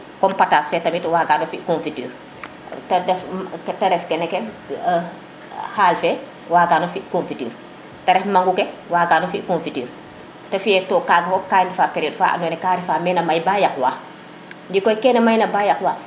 comme patas fe tamit wagano fi confiture te ref kene ke e% xaal fe waga no fi confiture te ref mangu ke waga no fi confiture te fiye to kaga fop ka refa periode fa ando naye ka refa mena may ba yaq wa ndikoy kene may na ba yaq wa